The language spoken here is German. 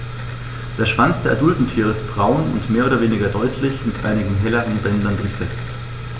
Der Schwanz der adulten Tiere ist braun und mehr oder weniger deutlich mit einigen helleren Bändern durchsetzt.